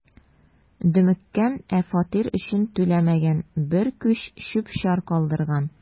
„дөмеккән, ә фатир өчен түләмәгән, бер күч чүп-чар калдырган“.